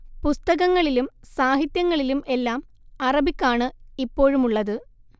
പുസ്തകങ്ങളിലും സാഹിത്യങ്ങളിലും എല്ലാം അറബിക് ആണ് ഇപ്പോഴുമുള്ളത്